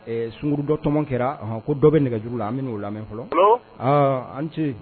Ɛɛ sungurun dɔ tɔmɔ kɛra, ɔnhɔn, ko dɔ bɛ nɛgɛjuru la. An bɛ n'o la mɛn fɔlɔ. Allo! Ɔɔ, a ni ce!